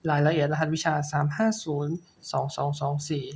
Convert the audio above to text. รายละเอียดรหัสวิชาสามห้าศูนย์สองสองสองสี่